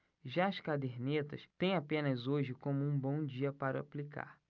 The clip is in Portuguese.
já as cadernetas têm apenas hoje como um bom dia para aplicar